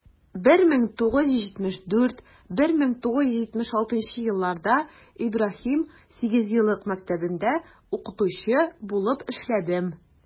1974 - 1976 елларда ибраһим сигезьеллык мәктәбендә укытучы булып эшләдем.